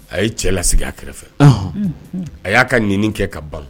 A ye cɛ lasigi a kɛrɛfɛ a y'a ka nɛnini kɛ ka ban.